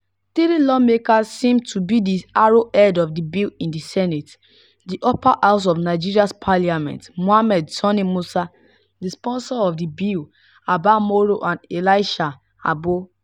Three lawmakers seem to be the arrowhead of the bill in the Senate, the upper house of Nigeria’s parliament: Mohammed Sani Musa (the sponsor of the bill), Abba Moro and Elisha Abbo.